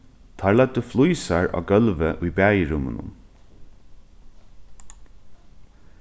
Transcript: teir løgdu flísar á gólvið í baðirúminum